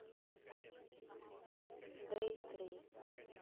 дэй з